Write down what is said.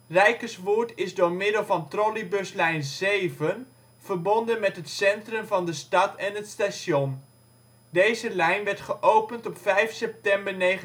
Rijkerswoerd is door middel van trolleybuslijn 7 verbonden met het centrum van de stad en het station. Deze lijn werd geopend op 5 september 1999